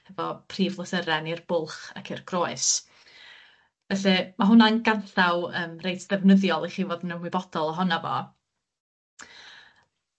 efo prif lythyren i'r bwlch ac i'r groes felly ma' hwnna'n ganllaw yym reit ddefnyddiol i chi fod yn ymwybodol ohono fo